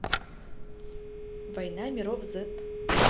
война миров z